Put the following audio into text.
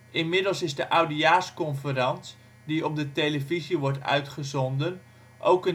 Inmiddels is de oudejaarsconference, die op de televisie wordt uitgezonden, ook